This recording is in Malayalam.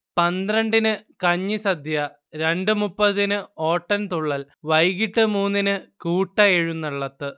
പന്ത്രണ്ടിന് കഞ്ഞിസദ്യ, രണ്ടുമുപ്പത്തിന് ഓട്ടൻതുള്ളൽ, വൈകീട്ട് മൂന്നിന് കൂട്ടഎഴുന്നള്ളത്ത്